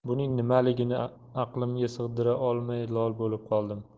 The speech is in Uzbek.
buning nimaligini aqlimga sig'dira olmay lol bo'lib qoldim